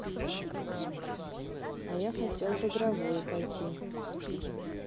а я хотел в игровую пойти